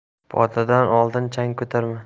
podadan oldin chang ko'tarma